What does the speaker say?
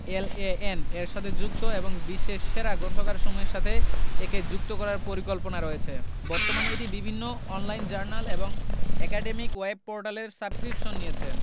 LAN এর সাথে যুক্ত এবং বিশ্বের সেরা গ্রন্থাগারসমূহের সাথে একে যুক্ত করার পরিকল্পনা রয়েছে বর্তমানে এটি বিভিন্ন অন লাইন জার্নাল এবং একাডেমিক ওয়েব পোর্টালের সাবস্ক্রিপশান নিয়েছে